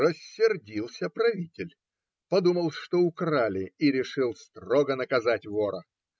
Рассердился правитель, подумал, что украли, и решил строго наказать вора.